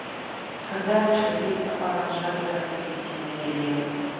когда вышла песня алан джаггера с кристиной агилерой